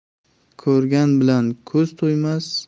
ko'rgan bilan ko'z to'ymas